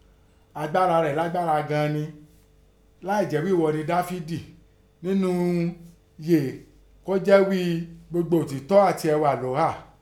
Agbára rẹ̀ lágbára gan an nẹ, láìjẹ́ ghí ẹ̀ghọ nẹ Dáfídì, únnú yèé kọ́ jẹ́ ghíi gbogbo ọ̀ọ́tọ́ àti ẹghà lọ́ ghà.